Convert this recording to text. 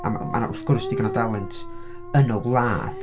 Ac mae 'na... mae 'na wrth gwrs, digon o dalent yn y wlad.